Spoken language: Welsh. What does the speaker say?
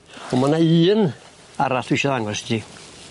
On' ma' 'na un arall dwi isio ddangos i ti.